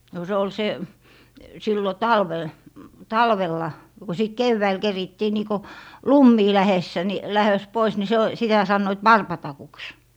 no se oli se silloin talvella talvella no kun sitten keväällä kerittiin niin kuin lumiin lähdössä niin lähdössä pois niin se on sitä sanoivat varpatakuksi